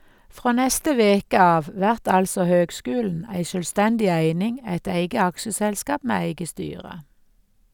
Frå neste veke av vert altså høgskulen ei sjølvstendig eining, eit eige aksjeselskap med eige styre.